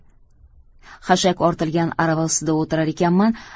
xashak ortilgan arava usti da o'tirar ekanman